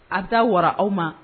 Aw ta wɔ aw ma